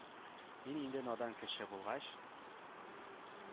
Мин инде надан кеше булгач,